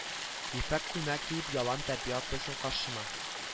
Ефәк күлмәк киеп ялан тәпи атлыйсың каршыма